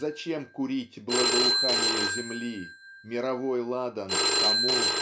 зачем курить благоухания земли мировой ладан Тому